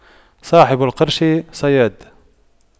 صاحب القرش صياد